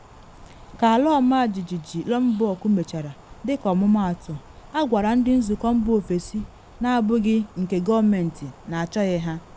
Ka ala ọmajijiji Lombok mechara, dịka ọmụmaatụ, agwara ndị nzụkọ mba ofesi na abụghị nke gọọmentị na achọghị ha.